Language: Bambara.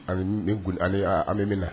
An bɛ bɛna na